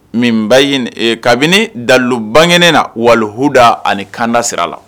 Minba kabini dalilu bangegɛnnen na walilhuda ani kan sira la